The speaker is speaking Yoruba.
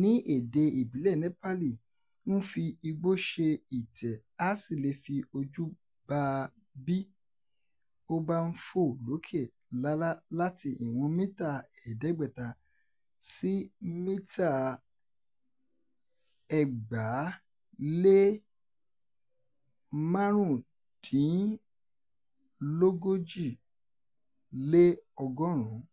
ní èdè ìbílẹ̀ Nepali, ń fi igbó ṣe ìtẹ́ a sì lè fi ojú bà á bí ó bá ń fò lókè lálá láti ìwọ̀n mítà 500 sí mítà 2135.